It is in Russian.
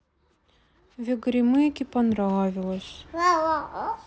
the горемыке понравилось